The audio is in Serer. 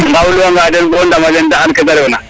i ngawlu wanga den bo ndama den de an kede ndef na